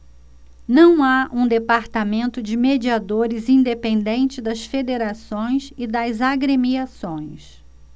não há um departamento de mediadores independente das federações e das agremiações